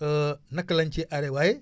naka lañ ci aaree waaye